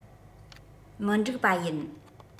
མི འགྲིག པ ཡིན